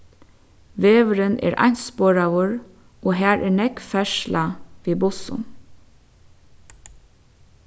vegurin er einsporaður og har er nógv ferðsla við bussum